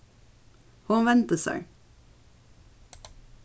hon vendi sær